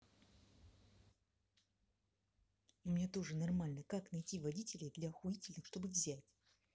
ну мне тоже нормально как найти водителей для охуительных чтобы взять